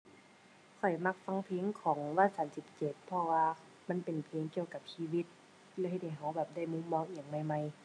ข้อยมักฟังเพลงของวสันต์17 เพราะว่ามันเป็นเพลงเกี่ยวกับชีวิต เลยเฮ็ดให้เราแบบได้มุมมองอิหยังใหม่ใหม่